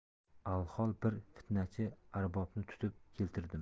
alhol bir fitnachi arbobni tutib keltirdim